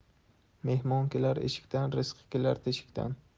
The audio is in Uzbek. mehmon kelar eshikdan rizqi kelar teshikdan